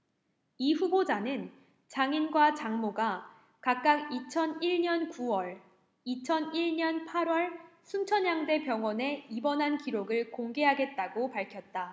이 후보자는 장인과 장모가 각각 이천 일 년 구 월 이천 일 년 팔 월 순천향대 병원에 입원한 기록을 공개하겠다고 밝혔다